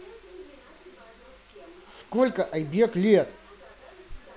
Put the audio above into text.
сколько айбек лет